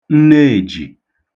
nneèjì